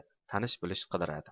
tanish bilish qidiradi